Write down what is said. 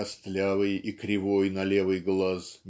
костлявый и кривой на левый глаз